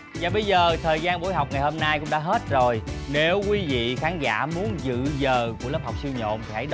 dạ bây giờ thời gian buổi học ngày hôm nay cũng đã hết rồi nếu quý vị khán giả muốn dự giờ của lớp học siêu nhộn thì hãy đón